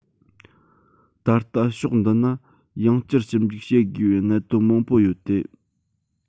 ད ལྟ ཕྱོགས འདི ན ཡང བསྐྱར ཞིབ འཇུག བྱེད དགོས པའི གནད དོན མང པོ ཡོད དེ